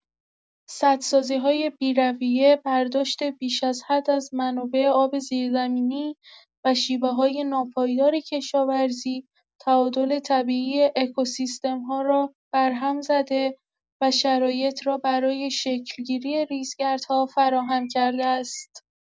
سدسازی‌های بی‌رویه، برداشت بیش از حد از منابع آب زیرزمینی و شیوه‌های ناپایدار کشاورزی، تعادل طبیعی اکوسیستم‌ها را بر هم زده و شرایط را برای شکل‌گیری ریزگردها فراهم کرده است.